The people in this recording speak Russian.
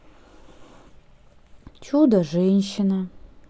чудо женщина